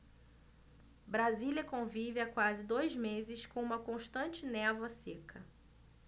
brasília convive há quase dois meses com uma constante névoa seca